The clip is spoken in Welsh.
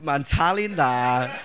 mae'n talu'n dda!